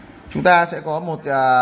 chúng ta sẽ có một